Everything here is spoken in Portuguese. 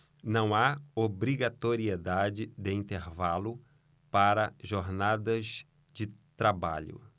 não há obrigatoriedade de intervalo para jornadas de trabalho